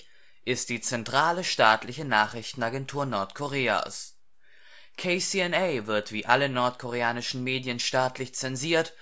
ist die zentrale staatliche Nachrichtenagentur Nordkoreas. KCNA wird wie alle nordkoreanischen Medien staatlich zensiert